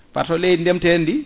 par ce * leydi ndeemate ndi ndi